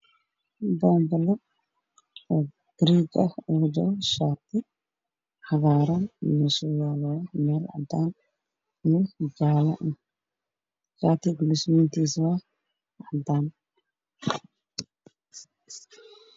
Boombalo Ugu jiro shaati cagaaran